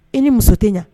I ni muso tɛ ɲɛ